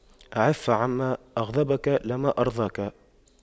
اعف عما أغضبك لما أرضاك